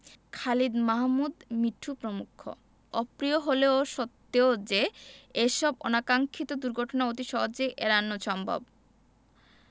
খালিদ মাহমুদ মিঠু প্রমুখ অপ্রিয় হলেও সত্ত্বেও যে এসব অনাকাক্সিক্ষত দুর্ঘটনা অতি সহজেই এড়ানো সম্ভব